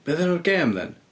Be oedd enw'r gêm then?